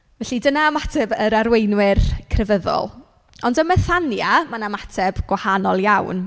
Felly dyna ymateb yr arweinwyr crefyddol. Ond ym Methania, ma' 'na ymateb gwahanol iawn.